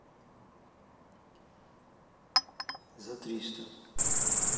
за триста